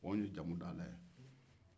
anw ye jamu d'a la yan